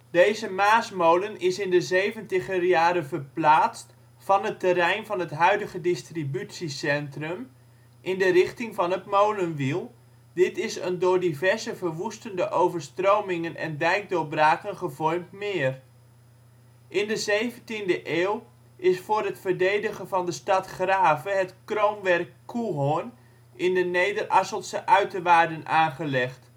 Deze Maasmolen is in de zeventiger jaren verplaatst van het terrein van het huidige distributiecentrum in de richting van het Molenwiel, dit is een door diverse verwoestende overstromingen en dijkdoorbraken gevormd meer. In de 17e eeuw is voor het verdedigen van de stad Grave het kroonwerk Coehoorn in de Nederasseltse uiterwaarden aangelegd